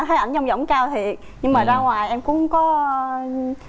thấy ảnh dong dỏng cao thiệc nhưng mà ra ngoài em cũng có